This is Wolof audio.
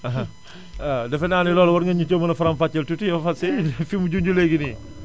waaw defe naa ne loolu war ngeen ñu cee mën a faram fàcceel tuuti Fatou Seye fi mu junj léegi nii